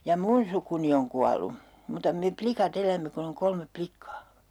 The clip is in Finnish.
ja minun sukuni on kuollut mutta me likat elämme kun on kolme likkaa